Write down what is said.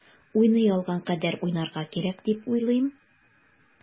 Уйный алган кадәр уйнарга кирәк дип уйлыйм.